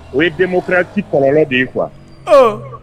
O ye democratie kɔlɔnlɔ de ye quoi ,owo!